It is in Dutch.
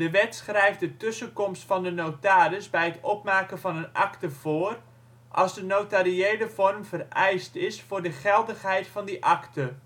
wet schrijft de tussenkomst van de notaris bij het opmaken van een akte voor, als de notariële vorm vereist is voor de geldigheid van die akte